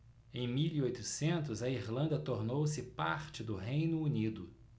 em mil e oitocentos a irlanda tornou-se parte do reino unido